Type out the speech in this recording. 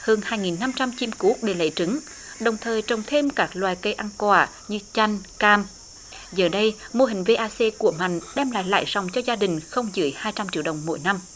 hơn hai nghìn năm trăm chim cút để lấy trứng đồng thời trồng thêm các loài cây ăn quả như chanh cam giờ đây mô hình vê a xê của mạnh đem lại lãi ròng cho gia đình không dưới hai trăm triệu đồng mỗi năm